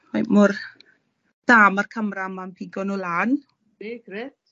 faint mor da ma'r camra 'ma'n pigo nw lan. Ydi, grêt.